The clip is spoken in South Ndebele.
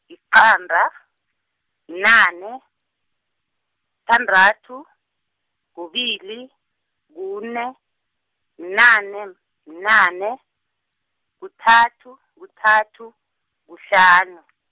yiqanda, bunane, sithandathu, kubili, kune, bunane, bunane, kuthathu, kuthathu, kuhlanu.